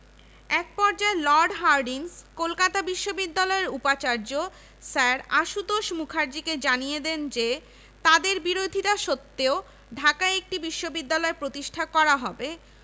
এবং প্রাদেশিক কোষাগার থেকে এ খাতে ব্যয়ের পরিমাণ ১১ লক্ষ ৬ হাজার ৫১০ টাকা থেকে ২২ লক্ষ ৫ হাজার ৩৩৯ টাকায় বৃদ্ধি করা হয়